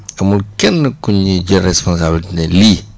amul kenn kuy ñuy jël responsabilité ne lii